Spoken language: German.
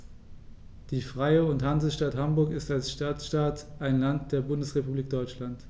Die Freie und Hansestadt Hamburg ist als Stadtstaat ein Land der Bundesrepublik Deutschland.